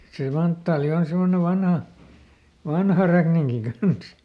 se manttaali on semmoinen vanha vanha räkninki kanssa